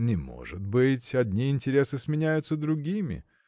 – Не может быть: одни интересы сменяются другими.